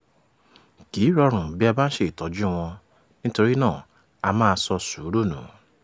Kì í rọrùn bí a bá ń ṣe ìtọ́júu wọn, nítorí náà a máa sọ sùúrù nù.